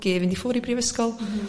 olygu fynd i ffwr i brifysgol